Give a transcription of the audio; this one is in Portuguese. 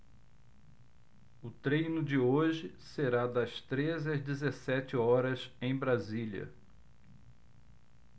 o treino de hoje será das treze às dezessete horas em brasília